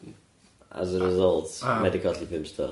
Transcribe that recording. As a result, ma' 'i 'di colli pump stôn.